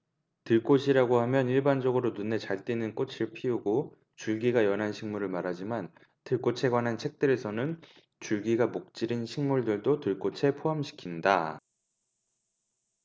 들꽃이라고 하면 일반적으로 눈에 잘 띄는 꽃을 피우고 줄기가 연한 식물을 말하지만 들꽃에 관한 책들에서는 줄기가 목질인 식물들도 들꽃에 포함시킨다